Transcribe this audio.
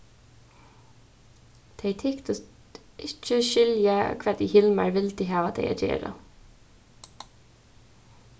tey tyktust ikki skilja hvat ið hilmar vildi hava tey at gera